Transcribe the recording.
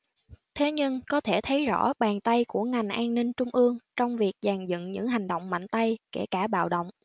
thế nhưng có thể thấy rõ bàn tay của ngành an ninh trung ương trong việc dàn dựng những hành động mạnh tay kể cả bạo động